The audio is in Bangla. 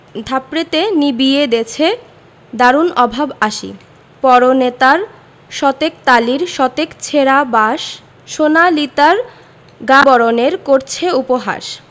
থাপড়েতে নিবিয়ে দেছে দারুণ অভাব আসি পরনে তার শতেক তালির শতেক ছেঁড়া বাস সোনালি তার গা বরণের করছে উপহাস